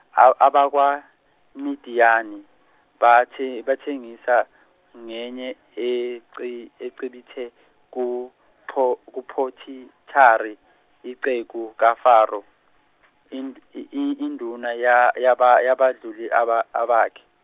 ab- abakwa, abakwaMidiyane, bathe- bathengisa, ngenye eCi- eCibithe kuPo- kuPhothitari, iceku kaFaro, ind- i- i- induna ya- yaba yabadluli aba- abakhe.